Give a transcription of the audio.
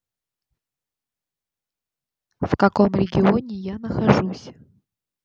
в каком регионе я нахожусь